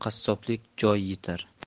qassoblik joy yitar